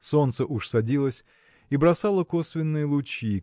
Солнце уж садилось и бросало косвенные лучи